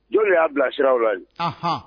Joli de y'a bilasiraw la ye